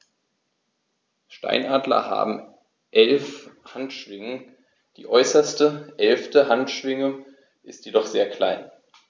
Steinadler haben 11 Handschwingen, die äußerste (11.) Handschwinge ist jedoch sehr klein.